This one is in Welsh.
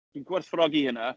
Dwi'n gwerthfawrogi hynna.